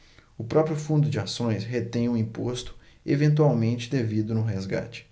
o próprio fundo de ações retém o imposto eventualmente devido no resgate